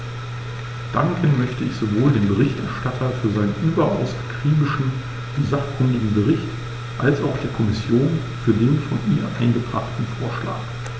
Danken möchte ich sowohl dem Berichterstatter für seinen überaus akribischen und sachkundigen Bericht als auch der Kommission für den von ihr eingebrachten Vorschlag.